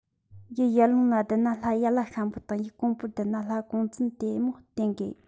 ཡུལ ཡར ཀླུངས ལ བསྡད ན ལྷ ཡར ལྷ ཤམ པོ དང ཡུལ ཀོང པོར བསྡད ན ལྷ ཀོང བཙུན དེ མོ བསྟེན དགོས